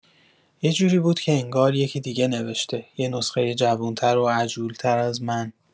یه جوری بود که انگار یکی دیگه نوشته، یه نسخۀ جوون‌تر و عجول‌تر از من.